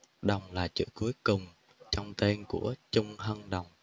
đồng là chữ cuối cùng trong tên của chung hân đồng